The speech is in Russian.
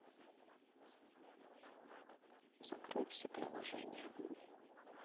закрой все приложения